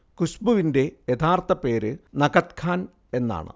ഖുശ്ബുവിന്റെ യഥാർഥ പേര് നഖത് ഖാൻ എന്നാണ്